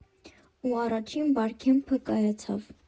Ու առաջին Բարքեմփը կայացավ»։